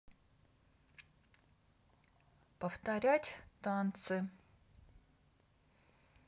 повторять танцы